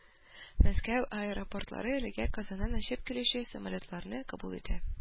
Мәскәү аэропортлары әлегә Казаннан очып килүче самолетларны кабул итә